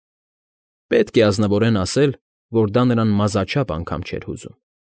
Պետք է ազնվորեն ասել, որ դա նրան մազաչափ անգամ չէր հուզում։